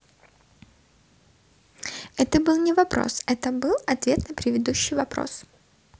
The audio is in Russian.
это был не вопрос это был ответ на предыдущий вопрос